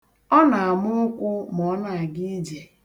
Ọ na-ama ụkwụ ma ọ na-aga ije.